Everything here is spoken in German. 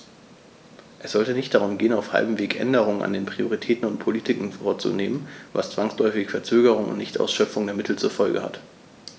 Es sollte nicht darum gehen, auf halbem Wege Änderungen an den Prioritäten und Politiken vorzunehmen, was zwangsläufig Verzögerungen und Nichtausschöpfung der Mittel zur Folge hat.